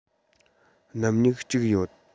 སྣུམ སྨྱུག གཅིག ཡོད